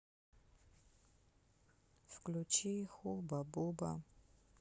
включи хуба буба